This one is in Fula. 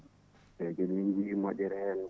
eyyi joni min jiih moƴƴere hen